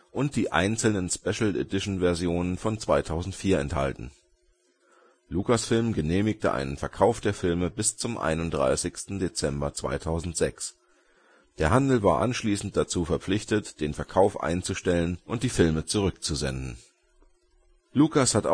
und die einzelnen Special-Edition-Versionen von 2004 enthalten. Lucasfilm genehmigte einen Verkauf der Filme bis zum 31. Dezember 2006 - der Handel war anschließend dazu verpflichtet den Verkauf einzustellen und die Filme zurückzusenden. Lucas hat